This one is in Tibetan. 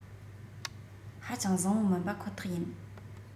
ཧ ཅང བཟང བོ མིན པ ཁོ ཐག ཡིན